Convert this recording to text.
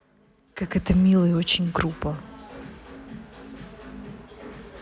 как это мило и это очень грубо